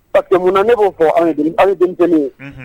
Patɛ munna ne b'o fɔ den kelen ye